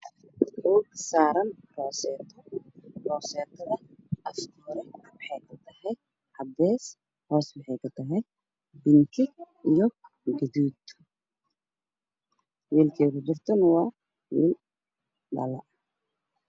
Waa roseto saaran miis prosetada hoos waxay ka tahay gaduud iyo banki kor noocee ka tahay caddaan waxaana kor taagan gabar